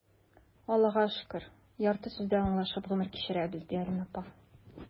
Аллаһыга шөкер, ярты сүздән аңлашып гомер кичерәбез,— ди Алинә апа.